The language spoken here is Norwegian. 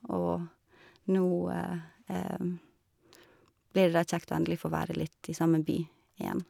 Og nå blir det da kjekt å endelig få være litt i samme by igjen.